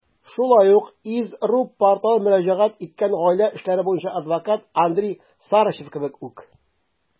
Шулай ук iz.ru порталы мөрәҗәгать иткән гаилә эшләре буенча адвокат Андрей Сарычев кебек үк.